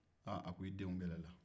aa a ko i denw kɛlɛla